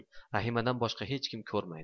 rahimadan boshqa hech kim ko'rmaydi